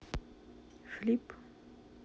флип